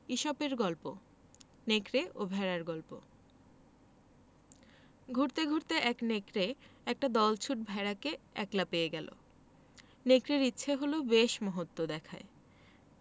ইসপের গল্প নেকড়ে ও ভেড়ার গল্প ঘুরতে ঘুরতে এক নেকড়ে একটা দলছুট ভেড়াকে একলা পেয়ে গেল নেকড়ের ইচ্ছে হল বেশ মহত্ব দেখায়